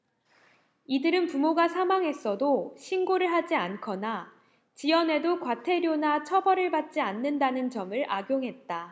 이들은 부모가 사망했어도 신고를 하지 않거나 지연해도 과태료나 처벌을 받지 않는다는 점을 악용했다